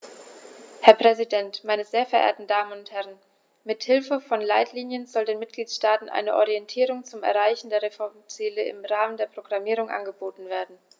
Herr Präsident, meine sehr verehrten Damen und Herren, mit Hilfe von Leitlinien soll den Mitgliedstaaten eine Orientierung zum Erreichen der Reformziele im Rahmen der Programmierung angeboten werden.